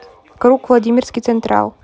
круг владимирский централ